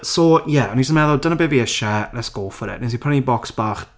So ie. O'n i jyst yn meddwl dyna beth fi eisiau lets go for it. Wnes i prynu bocs bach...